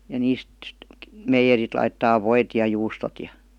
ja niistä meijerit laittaa voit ja juustot ja